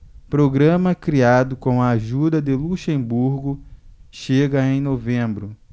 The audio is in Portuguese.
programa criado com a ajuda de luxemburgo chega em novembro